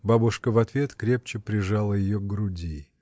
Бабушка в ответ крепче прижала ее к груди.